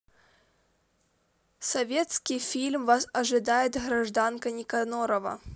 советский фильм вас ожидает гражданка никанорова